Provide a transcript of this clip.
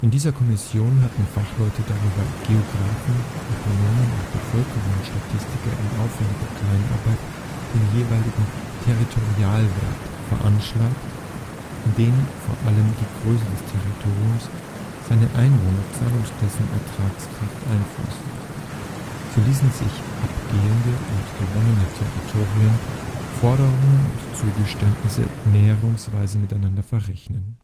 dieser Kommission hatten Fachleute, darunter Geographen, Ökonomen und Bevölkerungsstatistiker in aufwendiger Kleinarbeit den jeweiligen „ Territorialwert “veranschlagt, in den vor allem die Größe des Territoriums, seine Einwohnerzahl und dessen Ertragskraft einflossen. So ließen sich abgehende und gewonnene Territorien, Forderungen und Zugeständnisse näherungsweise miteinander verrechnen